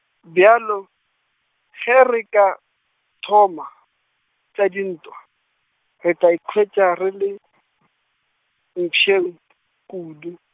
bjalo, ge re ka, thoma, tša dintwa, re tla ikhwetša re le, mpšeng kudu.